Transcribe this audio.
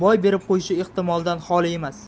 boy berib qo'yishi ehtimoldan holi emas